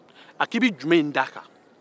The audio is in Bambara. a k'i bɛ jumɛn d'a kan